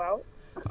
waaw